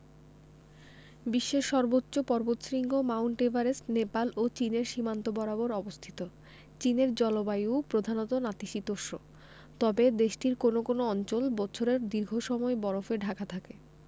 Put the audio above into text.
বিশ্বের সর্বোচ্চ পর্বতশৃঙ্গ মাউন্ট এভারেস্ট নেপাল ও চীনের সীমান্ত বরাবর অবস্থিত চীনের জলবায়ু প্রধানত নাতিশীতোষ্ণ তবে দেশটির কোনো কোনো অঞ্চল বছরের দীর্ঘ সময় বরফে ঢাকা থাকে